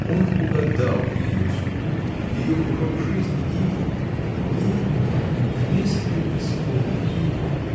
Он угадал бы ее судьбу, ее урок жизни и. и. вместе бы исполнил его!